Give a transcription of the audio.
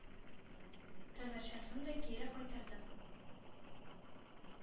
Татарчасын да кире кайтардык.